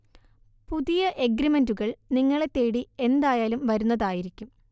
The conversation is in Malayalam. പുതിയ എഗ്രിമെന്റുകൾ നിങ്ങളെ തേടി എന്തായാലും വരുന്നതായിരിക്കും